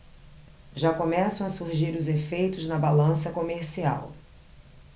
já começam a surgir os efeitos na balança comercial